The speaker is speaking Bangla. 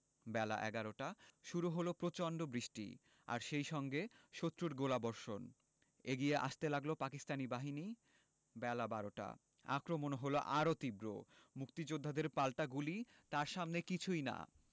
বেলা এগারোটা শুরু হলো প্রচণ্ড বৃষ্টি আর সেই সঙ্গে শত্রুর গোলাবর্ষণ এগিয়ে আসতে লাগল পাকিস্তানি বাহিনী বেলা বারোটা আক্রমণ হলো আরও তীব্র মুক্তিযোদ্ধাদের পাল্টা গুলি তার সামনে কিছুই না